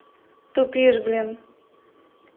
тупишь блин